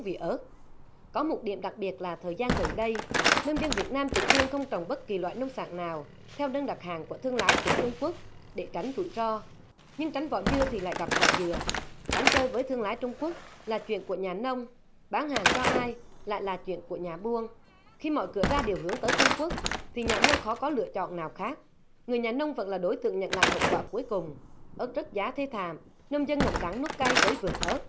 vì ớt có một điểm đặc biệt là thời gian gần đây nông dân việt nam chủ trương không trồng bất kỳ loại nông sản nào theo đơn đặt hàng của thương lái từ trung quốc để tránh rủi ro nhưng tránh vỏ dưa thì lại gặp vỏ dừa tránh chơi với thương lái trung quốc là chuyện của nhà nông bán hàng cho ai lại là chuyện của nhà buôn khi mọi cửa ra đều hướng tới trung quốc thì nhà buôn khó có lựa chọn nào khác người nhà nông vẫn là đối tượng nhận lãnh hậu quả cuối cùng ớt rớt giá thê thảm nông dân ngậm đắng nuốt cay với vườn ớt